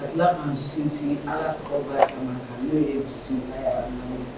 A tila sinsin n'o ye misi